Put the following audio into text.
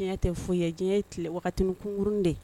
Diɲɛ tɛ foyi ye diɲɛ ye tile wagati kunkurunni de ye